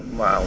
waaw